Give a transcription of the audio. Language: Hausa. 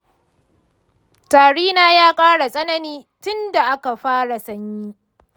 tari na ya ƙara tsanani tinda aka fara sanyi